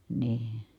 niin